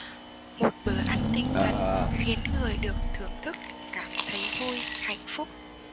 một bữa ăn tinh thần khiến người được thưởng thức cảm thấy vui hạnh phúc